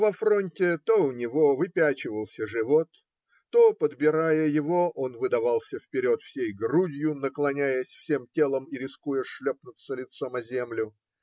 во фронте то у него выпячивался живот, то, подбирая его, он выдавался вперед всей грудью, наклоняясь всем телом и рискуя шлепнуться лицом о землю.